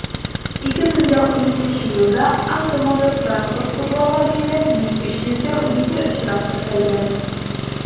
2012 елда автомототранспорт урлауга бәйле 1312 очрак теркәлгән.